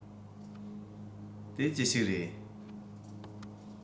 དེ ཅི ཞིག རེད